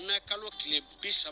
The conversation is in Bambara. N kalo tile bi saba